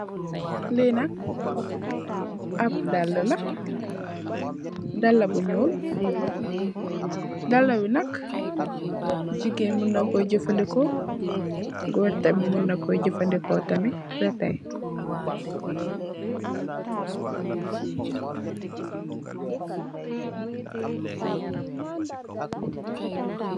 Lii nak ahb daalah la, daalah bu njull, daalah bii nak gigain munakoi jeufandehkor, gorre tamit munakoi jeufandehkor tamit beh teii.